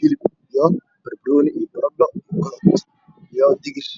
hip iyo banbanooni iyo digir